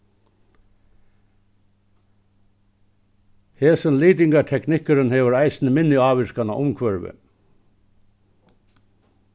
hesin litingarteknikkurin hevur eisini minni ávirkan á umhvørvið